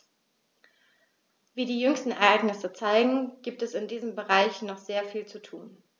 Wie die jüngsten Ereignisse zeigen, gibt es in diesem Bereich noch sehr viel zu tun.